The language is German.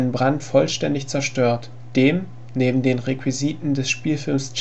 Brand vollständig zerstört, dem neben den Requisiten des Spielfilms